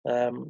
yym